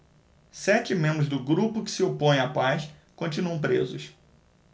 sete membros do grupo que se opõe à paz continuam presos